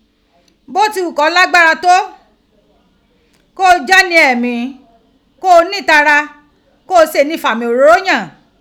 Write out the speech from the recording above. Bo ti hu ko lagbara to, ko je oni emi ko nitara ko se ni ifami ororo yan